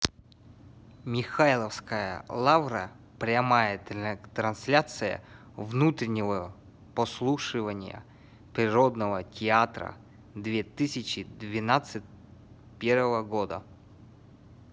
михайловская лавра прямая трансляция внутреннего послушания природного театра две тысячи двадцать первого года